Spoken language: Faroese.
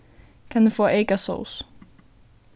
kann eg fáa eyka sós